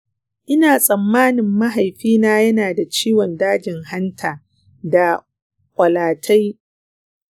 ina tsammanin mahaifina ya na da ciwon dajin hanta da ƙwalatai